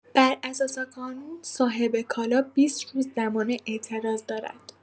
بر اساس قانون، صاحب کالا ۲۰ روز زمان اعتراض دارد.